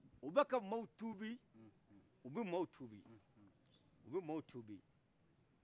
ubɛ ka mɔgɔ tubi ubi mɔgɔ tubi ubi mɔgɔ tubi